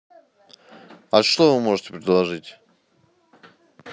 а что вы можете предложить